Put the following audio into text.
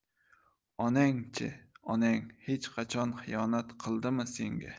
onang chi onang hech qachon xiyonat qildimi senga